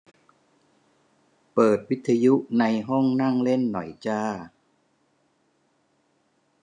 เปิดวิทยุในห้องนั่งเล่นหน่อยจ้า